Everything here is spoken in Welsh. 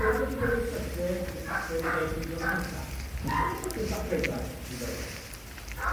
Lle bod o 'di gyrru llythyr i'r papur yn deud fi o'dd y cynta, jyst gyrru llythyr bach preifat iddo fo.